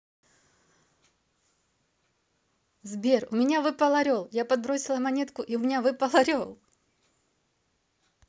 сбер у меня выпал орел я подбросила монетку и у меня выпал орел